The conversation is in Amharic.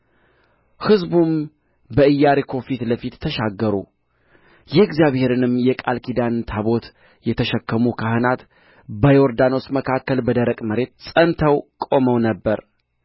ሕዝቡም በኢያሪኮ ፊት ለፊት ተሻገሩ የእግዚአብሔርንም የቃል ኪዳን ታቦት የተሸከሙ ካህናት በዮርዳኖስ መካከል በደረቅ መሬት ጸንተው ቆመው ነበር